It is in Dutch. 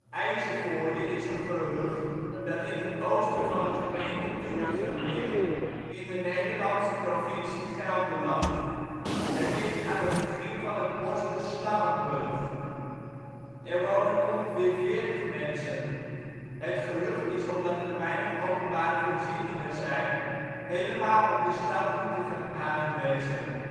IJzevoorde is een gehucht dat in het oosten van de gemeente Doetinchem ligt, in de Nederlandse provincie Gelderland. Het ligt aan het begin van het bos de Slangenburg (bos). Er wonen ongeveer 40 mensen. Het gehucht is omdat er weinig openbare voorzieningen zijn helemaal op de stad Doetinchem aangewezen